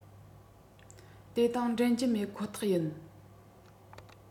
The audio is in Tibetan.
དེ དང འགྲན རྒྱུ མེད ཁོ ཐག ཡིན